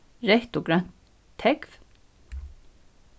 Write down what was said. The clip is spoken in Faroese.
reytt og grønt tógv